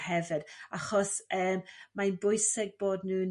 hefyd achos e mae' bwyseg bod n'w'n